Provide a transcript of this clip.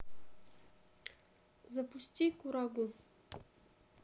запусти курагу